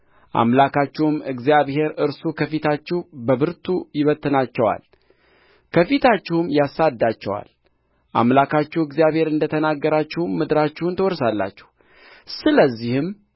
አምላካችሁም እግዚአብሔር እርሱ ከፊታችሁ በብርቱ ይበትናቸዋል ከፊታችሁም ያሳድዳቸዋል አምላካችሁ እግዚአብሔር እንደ ተናገራችሁም ምድራቸውን ትወርሳላችሁ ስለዚህም